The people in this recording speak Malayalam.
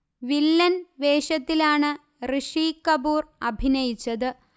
വില്ലൻ വേഷത്തിലാണ് ഋഷി കപൂർ അഭിനയിച്ചത്